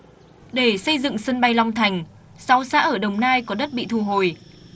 để xây dựng sân bay long thành sáu xã ở đồng nai có đất bị thu hồi